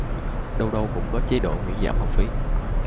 đâu đâu cũng có chế độ miễn giảm học phí